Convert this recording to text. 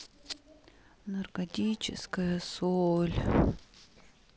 наркотическая соль